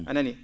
a nanii